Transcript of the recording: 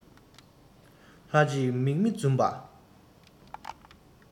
ལྷ ཅིག མིག མི འཛུམ པ